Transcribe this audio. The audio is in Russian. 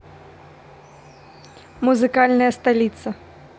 музыкальная столица